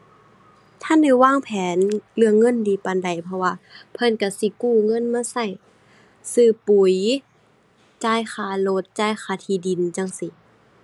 ทันได้วางแผนเรื่องเงินดีปานใด เพราะว่าเพิ่นก็สิกู้เงินมาก็ ซื้อปุ๋ย จ่ายค่ารถ จ่ายค่าที่ดินจั่งซี้